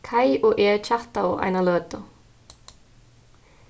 kaj og eg kjattaðu eina løtu